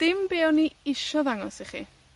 dim be' o'n i isio ddangos i chi.